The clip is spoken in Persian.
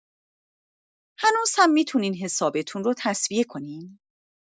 هنوز هم می‌تونین حسابتون رو تسویه کنین؟